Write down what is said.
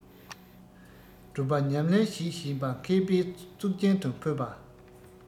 སྒྲུབ པ ཉམས ལེན བྱེད བཞིན པ མཁས པའི གཙུག རྒྱན དུ འཕོས པ